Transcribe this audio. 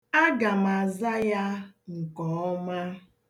Aga m aza ya nke ọma.